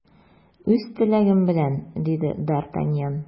Үз теләгем белән! - диде д’Артаньян.